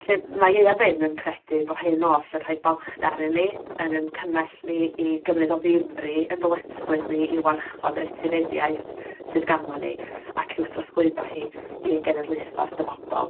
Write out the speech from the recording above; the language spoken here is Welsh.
Felly, mae Ieuan Wyn yn credu bod hyn oll yn rhoi balchder i ni, yn ein cymell ni i gymryd o ddifri ein dyletswydd ni i warchod yr etifeddiaeth sydd ganddo ni, ac i'w throsglwyddo hi i genedlaethau'r dyfodol.